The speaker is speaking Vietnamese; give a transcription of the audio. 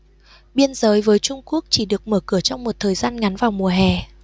biên giới với trung quốc chỉ được mở cửa trong một thời gian ngắn vào mùa hè